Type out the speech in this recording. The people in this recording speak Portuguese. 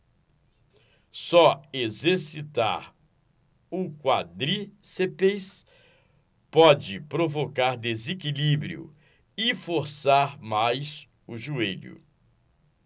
só exercitar o quadríceps pode provocar desequilíbrio e forçar mais o joelho